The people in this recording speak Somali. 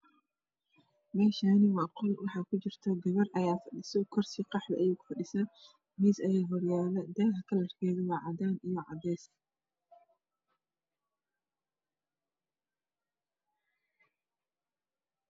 Meeshaan waa qol waxaa kujirto gabar kursi qaxwi ah ayay kufadhisaa miis ayaa horyaala. Daaha kalarkiisu waa cadaan iyo cadeys.